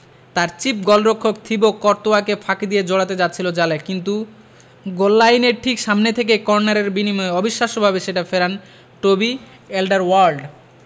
তাঁর চিপ গোলরক্ষক থিবো কর্তোয়াকে ফাঁকি দিয়ে জড়াতে যাচ্ছিল জালে কিন্তু গোললাইনের ঠিক সামনে থেকে কর্নারের বিনিময়ে অবিশ্বাস্যভাবে সেটা ফেরান টবি এলডারওয়ার্ল্ড